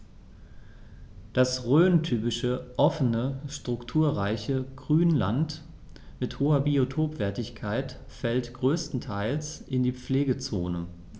Das rhöntypische offene, strukturreiche Grünland mit hoher Biotopwertigkeit fällt größtenteils in die Pflegezone.